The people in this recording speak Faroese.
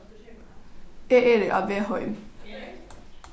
eg eri á veg heim